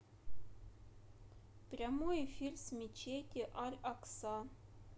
прямой эфир с мечети аль акса